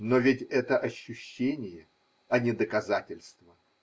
Но ведь это ощущение, а не доказательство.